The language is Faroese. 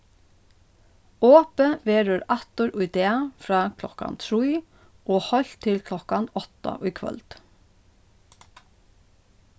opið verður aftur í dag frá klokkan trý og heilt til klokkan átta í kvøld